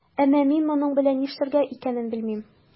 Әмма мин моның белән нишләргә икәнен белмим.